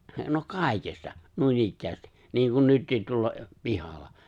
no kaikesta noinikään niin kuin nytkin tuolla pihalla